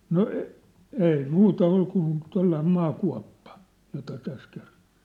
no ei muuta oli kuin tuollainen maakuoppa jota tässä kerroin